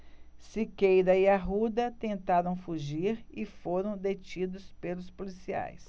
siqueira e arruda tentaram fugir e foram detidos pelos policiais